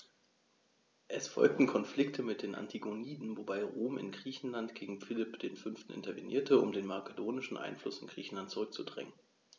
Es folgten Konflikte mit den Antigoniden, wobei Rom in Griechenland gegen Philipp V. intervenierte, um den makedonischen Einfluss in Griechenland zurückzudrängen.